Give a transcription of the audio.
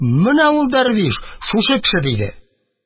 Менә ул дәрвиш шушы кеше! – диде.